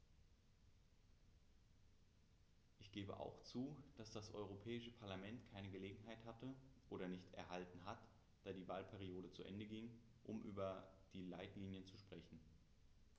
Ich gebe auch zu, dass das Europäische Parlament keine Gelegenheit hatte - oder nicht erhalten hat, da die Wahlperiode zu Ende ging -, um über die Leitlinien zu sprechen.